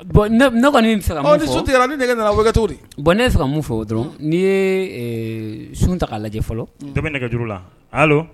Bon ne kɔni b'a fɛ ka mun fɔ, bon ne kɔni b'a fɛ ka mun fɔ, ɔ ni suntigɛra ni dɛgɛ nana a bɛ kɛ cogo di? Bon ne b'a fɛ ka mun fɔ dɔrɔn n'i ye sun ta ka lajɛ fɔlɔ, dɔ bɛ nɛgɛ juru la allo